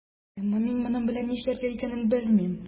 Әмма мин моның белән нишләргә икәнен белмим.